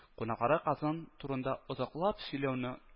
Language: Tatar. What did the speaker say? Кунакларга казан турында озаклап сөйләүне